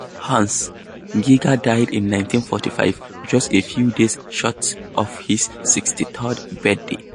"Hans" Geiger died in 1945, just a few days short of his 63rd birthday.